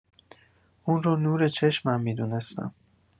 اون رو نور چشمم می‌دونستم.